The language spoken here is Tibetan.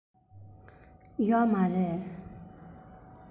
ཡོད མ རེད